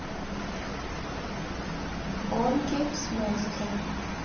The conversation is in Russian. гонки с монстрами